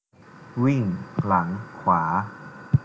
วิ่งหลังขวา